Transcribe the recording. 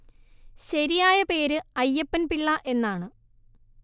ശരിയായ പേര് അയ്യപ്പൻ പിള്ള എന്നാണ്